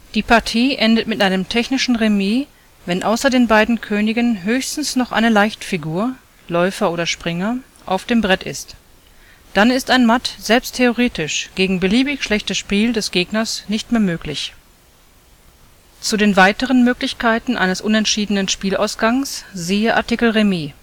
Die Partie endet mit einem technischen Remis, wenn außer den beiden Königen höchstens noch eine Leichtfigur (Läufer oder Springer) auf dem Brett ist. Dann ist ein Matt selbst theoretisch, gegen beliebig schlechtes Spiel des Gegners, nicht mehr möglich. Zu den weiteren Möglichkeiten eines unentschiedenen Spielausgangs siehe den Artikel Remis